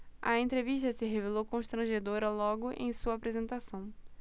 a entrevista se revelou constrangedora logo em sua apresentação